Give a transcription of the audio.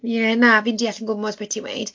Ie na fi'n deall yn gwmws beth ti weud.